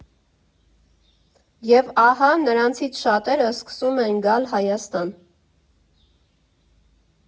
Եվ ահա, նրանցից շատերը սկսում են գալ Հայաստան։